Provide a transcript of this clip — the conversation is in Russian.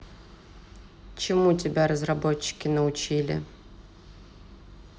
чему тебя разработчики научили